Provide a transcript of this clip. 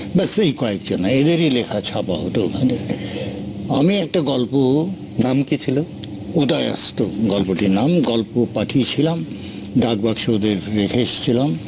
বাস এই কয়েক জনই এদের ই লেখা ছাপা হত ওখানে আমি একটা গল্প নাম কি ছিল উদয়াস্ত গল্পটির নাম গল্প পাঠিয়েছিলাম ডাকবাক্স ওদের রেখে এসেছিলাম